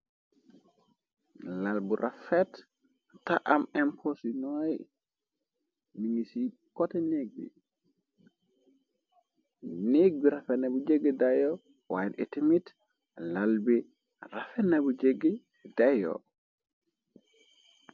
Lal bu rafet ta am empoos yu ñooy, ñu ngi si kotte neeg bi. Neeg bi rafet na ba jëëgi dayo, waaye, tamit, lal bi rafet na bu jëëgi dayo.